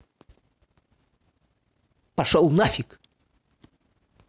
пошел на фиг